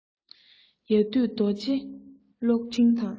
ཡ བདུད རྡོ རྗེ གློག ཕྲེང དང